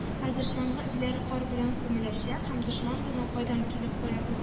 Хәзер чаңгы эзләре кар белән күмеләчәк һәм дошман безнең кайдан килеп, кая